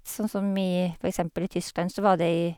t Sånn som i for eksempel i Tyskland så var det i...